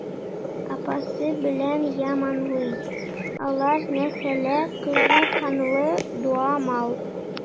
Апасы белеп яманлый: алар нәселе кызу канлы, дуамал.